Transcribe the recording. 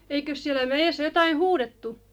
eikös siellä mäessä jotakin huudettu